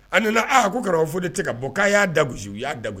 A nana ah ko karamɔgɔ fɔ de tɛ ka bɔ k'a y'a dag u y'a dag